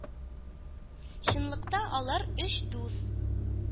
Чынлыкта алар өч дус.